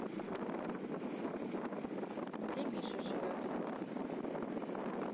где миша живет